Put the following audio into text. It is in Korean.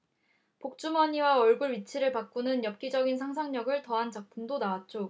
복주머니와 얼굴 위치를 바꾸는 엽기적인 상상력을 더한 작품도 나왔죠